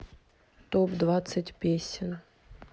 топ двадцать песен